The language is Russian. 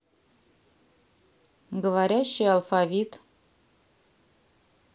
говорящий алфавит